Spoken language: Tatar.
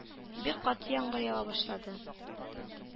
Бик каты яңгыр ява башлаган.